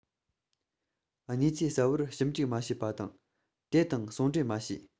གནས ཚུལ གསར པར ཞིབ འཇུག མ བྱས པ དང དེ དང ཟུང འབྲེལ མ བྱས